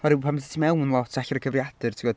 Oherwydd pan ti tu mewn lot, falle ar y cyfrifiadur ti'n gwbod.